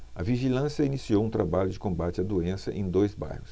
a vigilância iniciou um trabalho de combate à doença em dois bairros